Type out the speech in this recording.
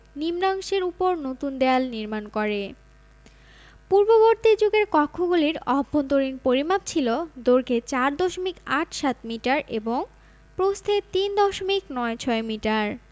নিম্নাংশের উপর নতুন দেয়াল নির্মাণ করে পূর্ববর্তী যুগের কক্ষগুলির অভ্যন্তরীণ পরিমাপ ছিল দৈর্ঘ্যে ৪ দশমিক আট সাত মিটার এবং প্রস্থে ৩ দশমিক নয় ছয় মিটার